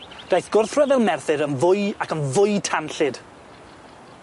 daeth gwrthryfel Merthyr yn fwy ac yn fwy tanllyd.